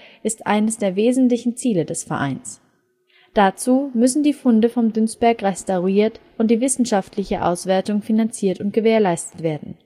eines der wesentlichen Ziele des Vereins. Dazu müssen die Funde vom Dünsberg restauriert und die wissenschaftliche Auswertung finanziert und gewährleistet werden